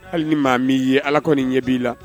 Hali ni maa m'i ye, ala kɔni nin ɲɛ b'i la